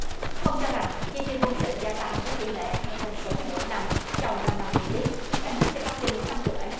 ông cho rằng chi tiêu quân sự gia tăng với tỷ lệ hai con số mỗi năm trong năm năm liên tiếp đang giúp cho bắc kinh tăng cường ảnh hưởng